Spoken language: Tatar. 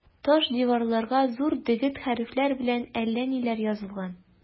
Таш диварларга зур дегет хәрефләр белән әллә ниләр язылган.